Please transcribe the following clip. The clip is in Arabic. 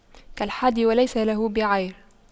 كالحادي وليس له بعير